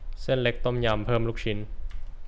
เส้นเล็กต้มยำเพิ่มลูกชิ้น